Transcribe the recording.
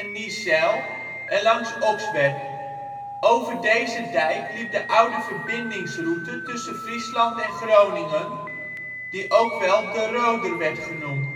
Niezijl en langs Okswerd. Over deze dijk liep de oude verbindingsroute tussen Friesland en Groningen, die ook wel ' De Roder ' werd genoemd